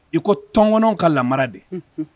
I ko tɔngɔnw ka laara de.